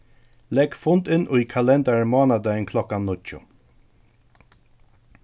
legg fund inn í kalendaran mánadagin klokkan níggju